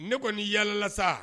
Ne kɔni' yaala sa